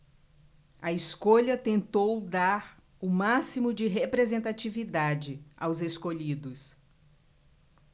a escolha tentou dar o máximo de representatividade aos escolhidos